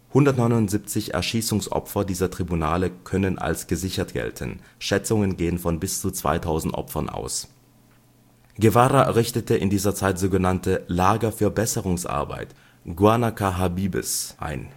179 Erschießungsopfer dieser Tribunale können als gesichert gelten, Schätzungen gehen von bis zu 2000 Opfern aus. Guevara richtete in dieser Zeit so genannte Lager für Besserungsarbeit („ Guanacahabibes “) ein